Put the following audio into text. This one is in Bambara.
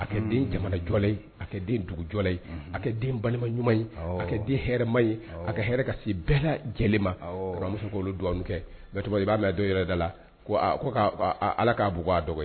A kɛ den jamana jɔ la ye, a kɛ den dugu jɔ la ye, a kɛ den balima ɲuman ye, awɔ, a kɛ den hɛrɛɛma ye, awɔ, a ka hɛrɛ ka sin bɛɛ lajɛlen ma, awɔ, an bɛ se k'o dugawu ninnu kɛ, i b'a mɛn dɔw yɛrɛ da la ko allah k'a bɔgɔa dɔgɔ ye